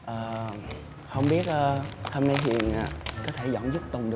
biết hôm nay hiền có thể dọn giúp tùng